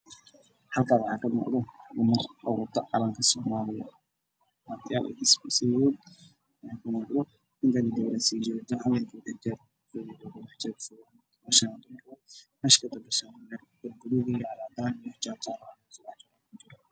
Een waxaa ka muuqdo gabdho wataan calanka soomaaliya kurtugood midadkoodu yahay buluuki cadays